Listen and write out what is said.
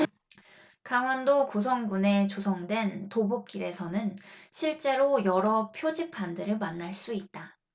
강원도 고성군에 조성된 도보길에서는 실제로 여러 표지판을 만날 수 있다